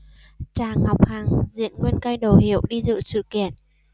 trà ngọc hằng diện nguyên cây đồ hiệu đi dự sự kiện